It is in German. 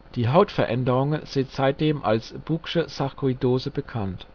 Die Hautveränderungen sind seitdem als Boeck'sche Sarkoidose bekannt